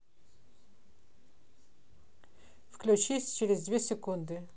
выключись через две секунды